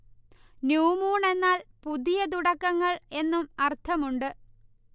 new moon എന്നാൽ പുതിയ തുടക്കങ്ങൾ എന്നും അര്ഥം ഉണ്ട്